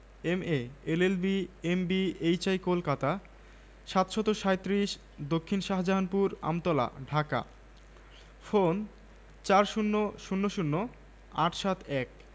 গেল সনে আপনি আমাকে বিস্তর অপমান করেছিলেন ভেড়াটা ভ্যাঁ করে কেঁদে ফেলল কিন্তু আমার তো গত বছর জন্মই হয়নি নেকড়েটা তখন বলে হতে পারে কিন্তু আমার মাঠের ঘাস খাও তুমি